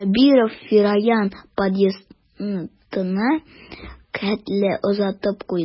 Сабиров Фираяны подъездына хәтле озатып куйды.